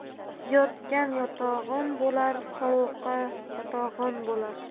yotgan yotag'on bo'lar sovuqqa qotog'on bo'lar